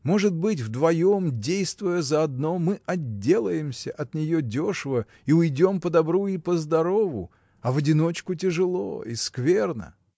Может быть, вдвоем, действуя заодно, мы отделаемся от нее дешево и уйдем подобру и поздорову, а в одиночку тяжело и скверно.